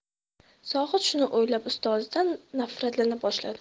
zohid shuni o'ylab ustozidan nafratlana boshladi